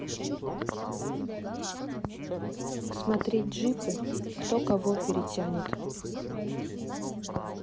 посмотреть джипы кто кого перетянет